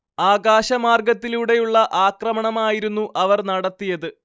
ആകാശമാർഗ്ഗത്തിലൂടെയുള്ള ആക്രമണമായിരുന്നു അവർ നടത്തിയത്